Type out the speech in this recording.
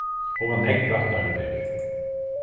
hon var nógv brattari fyrr